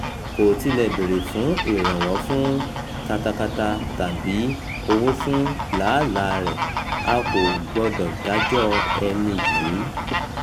Kò tilẹ̀ béèrè fún ìrànwọ́ fún katakata tàbí owó fún làálàáa rẹ̀. A kò gbọdọ̀ dájọ́ ẹni yìí.